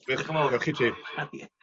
Dioch yn fowr. Ac i ti. Ha ia.